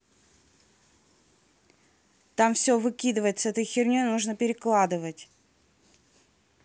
там все выкидывает с этой херней нужно перекладывать